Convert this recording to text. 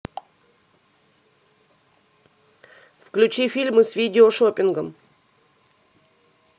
включи фильмы с видео шоппингом